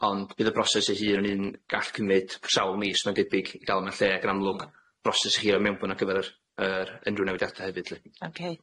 Ond bydd y broses ei hun yn un gall cymyd sawl mis ma'n debyg i ga'l yn y lle ag yn amlwg broses hir mewnbwn ar gyfer yr yr unryw newidiada hefyd lly.